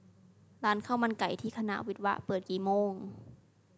ร้านข้าวมันไก่ที่คณะวิศวะเปิดกี่โมง